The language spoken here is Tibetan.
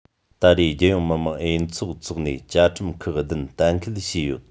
ད རེས རྒྱལ ཡོངས མི དམངས འས ཚོགས འཚོགས ནས བཅའ ཁྲིམས ཁག བདུན གཏན འབེབས བྱས ཡོད